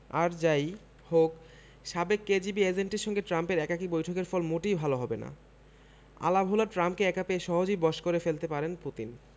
আর যা ই হোক সাবেক কেজিবি এজেন্টের সঙ্গে ট্রাম্পের একাকী বৈঠকের ফল মোটেই ভালো হবে না আলাভোলা ট্রাম্পকে একা পেয়ে সহজেই বশ করে ফেলতে পারেন পুতিন